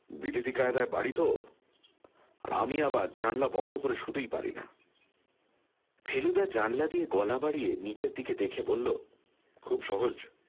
বিলিতি কায়দার বাড়ি তো আর আমি আবার জানলা বন্ধ করে শুতেই পারি না ফেলুদা জানলা দিয়ে গলা বাড়িয়ে নীচের দিকে দেখে বলল খুব সহজ